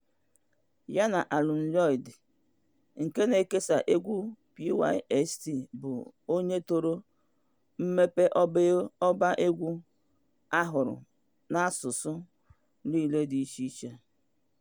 Ya na Alun Llwyd nke na-ekesa egwu PYST, bụ onye toro mmepe ọbáegwu Spotify n'asụsụ niile dị iche iche.